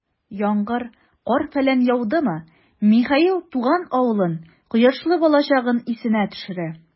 Яңгыр, кар-фәлән яудымы, Михаил туган авылын, кояшлы балачагын исенә төшерә.